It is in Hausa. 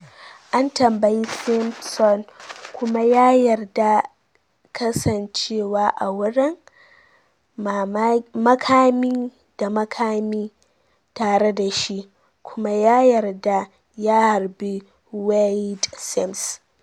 An tambayi Simpson kuma ya yarda da kasancewa a wurin, makami da makami tare da shi, kuma ya yarda ya harbi Wayde Sims.